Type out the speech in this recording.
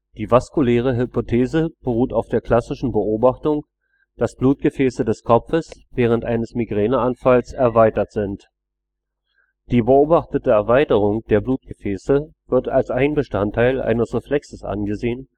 Die vaskuläre Hypothese beruht auf der klassischen Beobachtung, dass Blutgefäße des Kopfes während eines Migräneanfalls erweitert sind. Die beobachtete Erweiterung der Blutgefäße wird als ein Bestandteil eines Reflexes angesehen